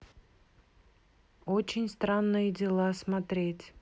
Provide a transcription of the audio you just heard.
очень странные дела смотреть